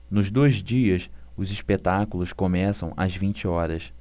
nos dois dias os espetáculos começam às vinte horas